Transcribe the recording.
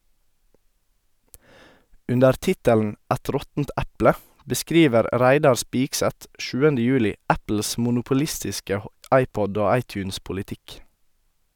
Under tittelen «Et råttent eple» beskriver Reidar Spigseth 7. juli Apples monopolistiske iPod- og iTunes-politikk.